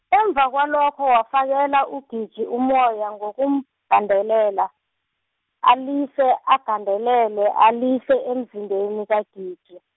emva kwalokho, wafakela UGiji umoya ngokumgandelela, alise agandelele alise emzimbeni kaGiji.